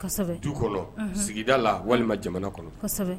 Du kɔnɔ sigida la walima jamana kɔnɔ